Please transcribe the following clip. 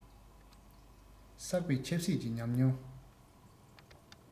བསགས པའི ཆབ སྲིད ཀྱི ཉམས མྱོང